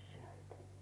sieltä